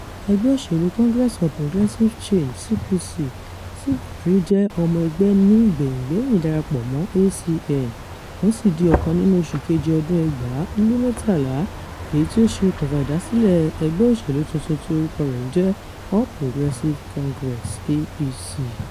Ẹgbẹ́ òṣèlú Congress for Progressive Change (CPC) tí Buhari jẹ́ ọmọ ẹgbẹ́ ní ìgbẹ̀yìngbẹ́yín darapọ̀ mọ́ ACN, wọ́n sì di ọkàn nínú oṣù Kejì ọdún 2013, èyí tí ó ṣe okùnfà ìdásílẹ̀ ẹgbẹ́ òṣèlú tuntun tí orúkọ rẹ̀ ń jẹ́ All Progressive Congress (APC).